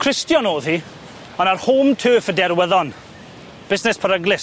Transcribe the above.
Cristion o'dd hi, on' ar home turf y derweddon, busnes peryglus.